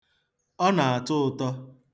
Ọ na-atọ ụtọ.